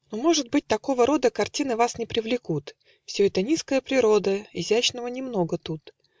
Но, может быть, такого рода Картины вас не привлекут: Все это низкая природа Изящного не много тут.